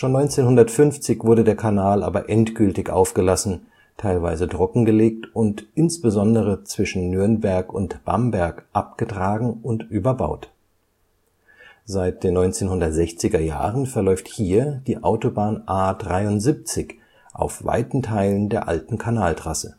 1950 wurde der Kanal aber endgültig aufgelassen, teilweise trockengelegt und insbesondere zwischen Nürnberg und Bamberg abgetragen und überbaut. Seit den 1960er Jahren verläuft hier die Autobahn A 73 auf weiten Teilen der alten Kanaltrasse